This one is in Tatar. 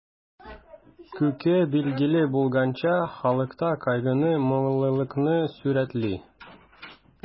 Күке, билгеле булганча, халыкта кайгыны, моңлылыкны сурәтли.